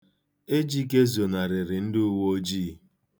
Ejike zonarịrị ndị uwe ojii.